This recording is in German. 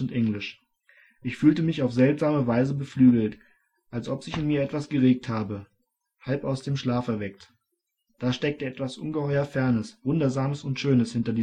English. Ich fühlte mich auf seltsame Weise beflügelt, als ob sich in mir etwas geregt habe, halb aus dem Schlaf erweckt. Da steckte etwas ungeheuer Fernes, Wundersames und Schönes hinter